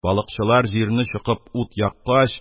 Балыкчылар җирне чокып ут яккач,